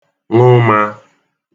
nụ mā